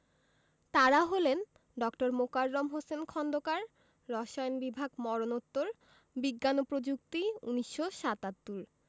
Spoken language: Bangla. তাঁরা হলেন ড. মোকাররম হোসেন খন্দকার রসায়ন বিভাগ মরণোত্তর বিজ্ঞান ও প্রযুক্তি ১৯৭৭